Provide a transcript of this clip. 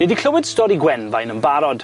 Ni di clywed stori Gwenfain yn barod.